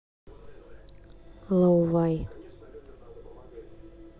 лаовай